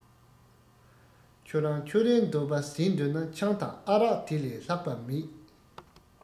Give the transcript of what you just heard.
ཁྱོད རང ཁྱོད རའི འདོད པ ཟིན འདོད ན ཆང དང ཨ རག དེ ལས ལྷག པ མེད